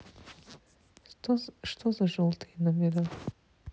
что за желтые номера